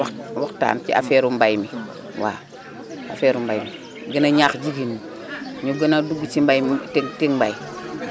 wax waxtaan ci affaire u mbay mi waaw affaire u mbay mi waaw gën a ñaax jigéen ñi ñu gën a dugg ci mbayum Ticmbay